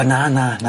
O na na na.